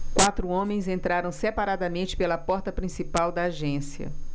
quatro homens entraram separadamente pela porta principal da agência